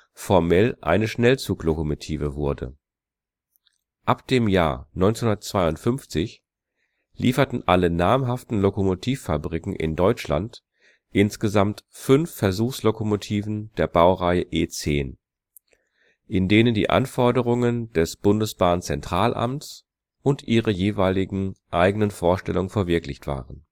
formell eine Schnellzug-Lokomotive wurde. Ab dem Jahr 1952 lieferten alle namhaften Lokomotivfabriken in Deutschland insgesamt fünf Versuchslokomotiven der Baureihe E 10.0, in denen die Anforderungen des Bundesbahn-Zentralamts und ihre jeweiligen eigenen Vorstellungen verwirklicht waren